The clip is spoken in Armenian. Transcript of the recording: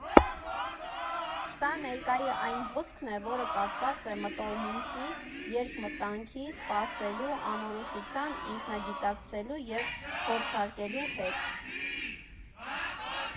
Սա ներկայի այն հոսքն է, որը կապված է մտորմունքի, երկմտանքի, սպասելու, անորոշության, ինքնագիտակցելու և փորձարկելու հետ։